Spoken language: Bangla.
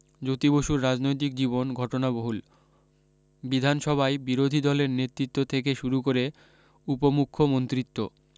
জ্যোতি বসুর রাজনৈতিক জীবন ঘটনা বহুল বিধানসভায় বিরোধী দলের নেতৃত্ব থেকে শুরু করে উপমুখ্যমন্ত্রীত্ব